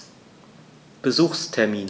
Besuchstermin